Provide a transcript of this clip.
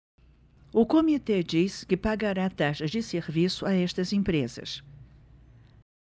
o comitê diz que pagará taxas de serviço a estas empresas